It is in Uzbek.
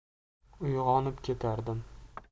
uyg'onib ketardim